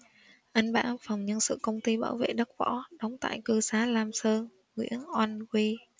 anh bảo phòng nhân sự công ty bảo vệ đất võ đóng tại cư xá lam sơn nguyễn oanh q